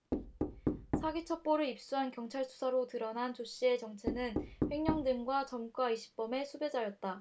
사기 첩보를 입수한 경찰 수사로 드러난 조씨의 정체는 횡령 등 전과 이십 범의 수배자였다